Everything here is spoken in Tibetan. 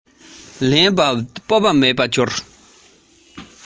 གྲང རླུང འུར འུར ཁྲོད དུ